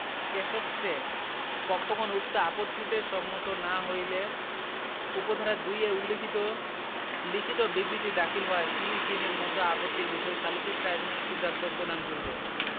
কেষত্রে পক্ষগণ উক্ত আপত্তিতে সম্মত না হইতা উপ ধারা ২ এ উল্লেখিত লিখিত বিবৃতি দাখিল হওয়ার ত্রিশ দনের মধ্যে আপত্তির বিষয়ে সালিসী ট্রাইব্যুনাল সিদ্ধান্ত প্রদান করিবে